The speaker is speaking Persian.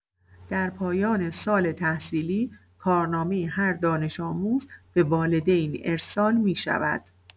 در پایان سال تحصیلی، کارنامۀ هر دانش‌آموز به والدین ارسال می‌شود.